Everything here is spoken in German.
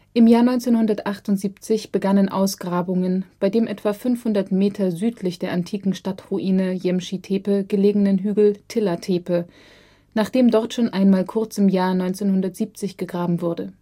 Im Jahr 1978 begannen Ausgrabungen bei dem etwa 500 Meter südlich der antiken Stadtruine Yemschi Tepe gelegenen Hügel Tilla Tepe, nachdem dort schon einmal kurz im Jahr 1970 gegraben wurde